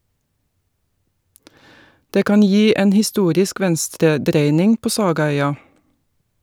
Det kan gi en historisk venstredreining på sagaøya.